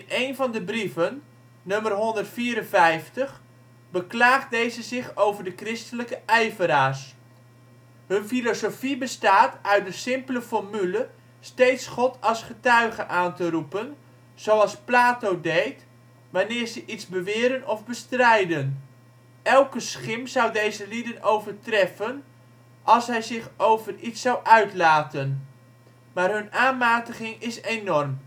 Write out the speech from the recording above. één van de brieven (nr. 154) beklaagt deze zich over de christelijke ijveraars: Hun filosofie bestaat uit de simpele formule steeds god als getuige aan te roepen, zoals Plato deed, wanneer ze iets beweren of bestrijden. Elke schim zou deze lieden overtreffen, als hij zich over iets zou uitlaten. Maar hun aanmatiging is enorm